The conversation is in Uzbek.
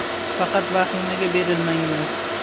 faqat vahimaga berilmanglar